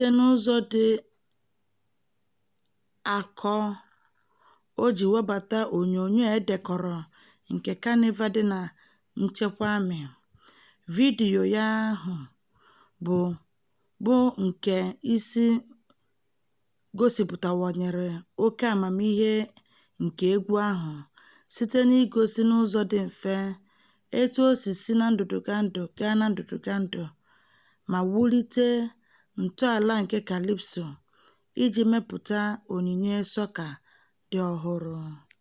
Site n'ụzọ dị akọ o ji webata onyoonyo e dekọrọ nke Kanịva dị na nchekwami, vidiyo ahụ bụ keisi gosipụtawanyere oke amamihe nke egwu ahụ site n'igosi n'ụzọ dị mfe etu o si si na ndụdụgandụ gaa na ndụdụgandụ ma wulite na ntọala nke kalịpso iji mepụta onyinye sọka dị ọhụrụ.